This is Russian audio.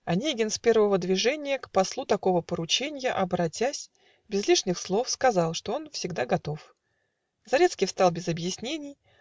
Онегин с первого движенья, К послу такого порученья Оборотясь, без лишних слов Сказал, что он всегда готов. Зарецкий встал без объяснений